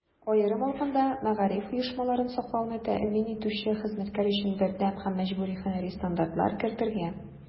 Аерым алганда, мәгариф оешмаларын саклауны тәэмин итүче хезмәткәр өчен бердәм һәм мәҗбүри һөнәри стандартлар кертергә.